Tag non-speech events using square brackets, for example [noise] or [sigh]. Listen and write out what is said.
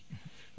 [hesitation] [hesitation]